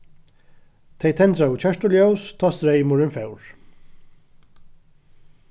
tey tendraðu kertuljós tá streymurin fór